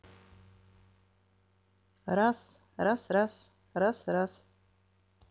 раз раз раз раз раз